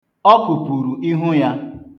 Ọ kụpụ̀rụ̀ ihu ya.